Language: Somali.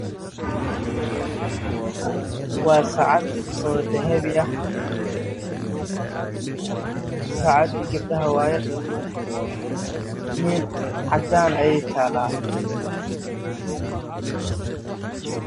waa saacad taalo meel cadaan ah oo kalarkeedu yahay dahabi